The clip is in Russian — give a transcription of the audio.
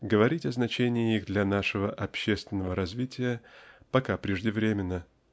Говорить о значении их для нашего общественного развития пока преждевременно.